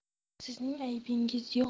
sizning aybingiz yo'q